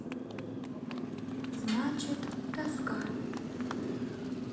значит тоска